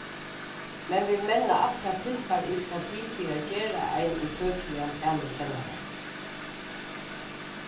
men vit menna alt tað tilfar ið skal til fyri at gera ein ítøkiligan talukennara